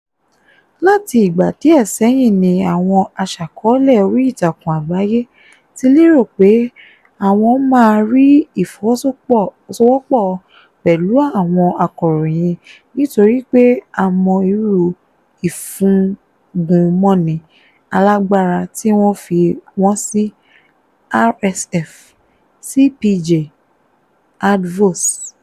Láti ìgbà díẹ̀ sẹ́yìn ni àwọn aṣàkọ́ọ́lẹ̀ orí ìtàkùn àgbáyé ti lérò pé àwọn maa rí ìfọwọ́sowọ́pọ̀ pẹ̀lú àwọn akọ̀ròyìn nítorí pé a mọ̀ irú ìfúngunmọ́ni alágbára tí wọ́n fi wọ́n sí (RSF, CPJ, Advox).